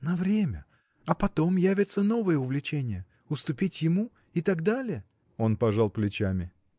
— На время, а потом — явится новое увлечение, уступить ему — и так далее?. Он пожал плечами.